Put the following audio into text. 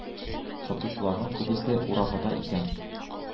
Сатучыларның күбесе уразада икән.